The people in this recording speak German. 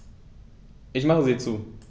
Ich mache sie zu.